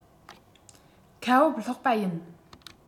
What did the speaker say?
ཁ བུབ སློག པ ཡིན